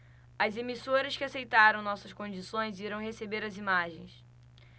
as emissoras que aceitaram nossas condições irão receber as imagens